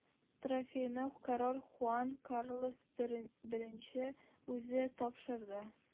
Трофейны король Хуан Карлос I үзе тапшырды.